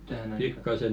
tähän aikaan